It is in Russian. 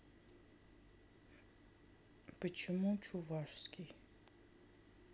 почему чувашский